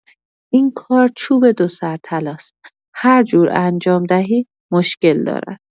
این کار چوب دو سر طلاست، هر جور انجام دهی مشکل دارد.